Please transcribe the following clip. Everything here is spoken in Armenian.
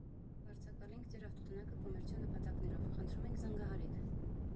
Կվարձակալենք ձեր ավտոտնակը կոմերցիոն նպատակներով, խնդրում ենք՝ զանգահարեք։